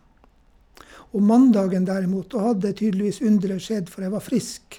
Om mandagen, derimot, da hadde tydeligvis underet skjedd, for jeg var frisk.